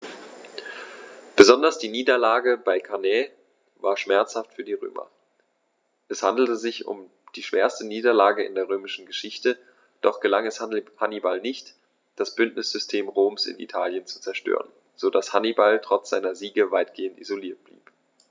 Besonders die Niederlage bei Cannae war schmerzhaft für die Römer: Es handelte sich um die schwerste Niederlage in der römischen Geschichte, doch gelang es Hannibal nicht, das Bündnissystem Roms in Italien zu zerstören, sodass Hannibal trotz seiner Siege weitgehend isoliert blieb.